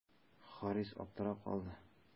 Харис аптырап калды.